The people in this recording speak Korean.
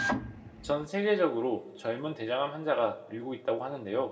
전 세계적으로 젊은 대장암 환자가 늘고 있다고 하는데요